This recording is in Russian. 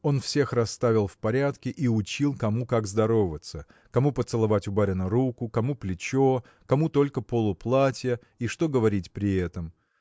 Он всех расставил в порядке и учил, кому как здороваться кому поцеловать у барина руку кому плечо кому только полу платья и что говорить при этом.